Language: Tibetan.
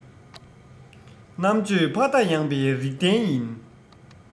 རྣམ དཔྱོད ཕ མཐའ ཡངས པའི རིག ལྡན ཡིན